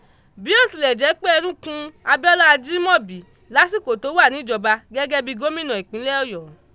Bí ó tilẹ̀ jẹ́ pé ẹnu kun Abíọ́lá Ajímọ̀bi lásìkò tó wà níjọba gẹ́gẹ́ bí gómìnà ìpínlẹ̀ Ọ̀yọ́.